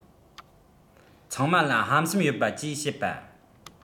ཚང མལ ཧམ སེམས ཡོད པ ཅེས བཤད པ